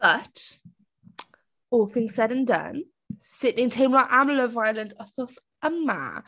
But all things said and done. Sut ni'n teimlo am Love Island wythnos yma?